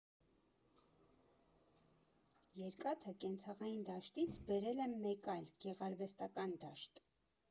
Երկաթը կենցաղային դաշտից բերել եմ մեկ այլ՝ գեղարվեստական դաշտ։